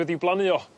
...wedi blannu o